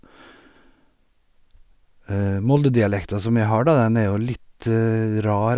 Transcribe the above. Molde-dialekta som jeg har, da, den er jo litt rar.